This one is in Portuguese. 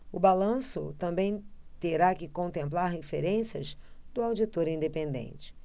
o balanço também terá que contemplar referências do auditor independente